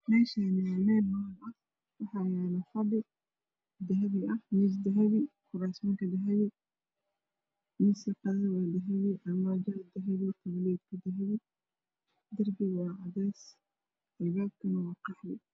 Meeshaani waa meel hool ah waxaa yaalo fadhi dahahi kuraasman dahabi miis qadada dahabi armaajada dahabi toboleetka dahabi darbiga waa cadays albaabkana waa qaxwi